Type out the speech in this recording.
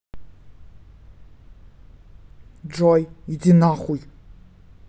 джой иди на хуй